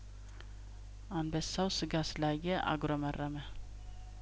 አንበሳው ስጋ ስላየ አጉረመረመ